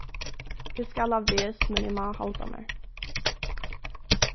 eg skal á ves men eg má halda mær